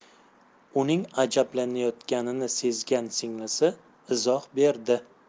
uning ajablanayotganini sezgan singlisi izoh berdi